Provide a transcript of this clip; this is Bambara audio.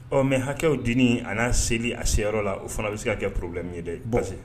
Ɔ mɛ hakɛw di a'a seli a seyɔrɔ la o fana bɛ se ka kɛ porobi mi dɛ parce